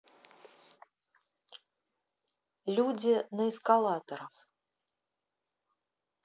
люди на эскалаторах